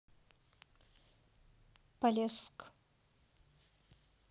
полесск